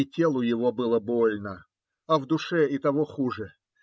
И телу его было больно, а на душе и того хуже